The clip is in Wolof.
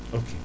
ok